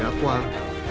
qua